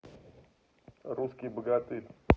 русский богатырь